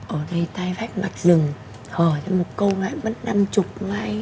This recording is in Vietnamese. ở đây tai vách mạch rừng hở ra một câu lại mất năm chục ngay